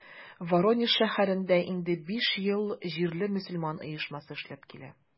Воронеж шәһәрендә инде биш ел җирле мөселман оешмасы эшләп килә.